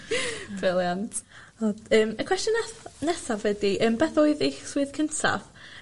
Brilliant. O yym y cwestiwn nes- nesaf ydi beth oedd eich swydd cynta?